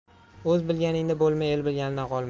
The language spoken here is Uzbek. o'z bilganingda bo'lma el bilganidan qolma